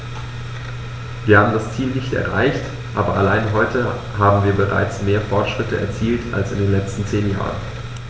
Wir haben das Ziel nicht erreicht, aber allein heute haben wir bereits mehr Fortschritte erzielt als in den letzten zehn Jahren.